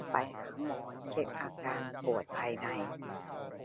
ไปหาหมอเช็คอาการปวดภายใน